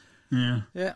Ie.